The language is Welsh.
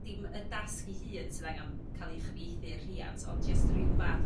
dim y dasgu i hun sydd angan ca'l i chyfieithu i'r rhiant ond jyst ryw fath o